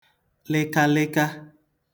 lịkalịka